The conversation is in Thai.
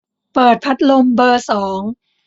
เปิดพัดลมเบอร์สอง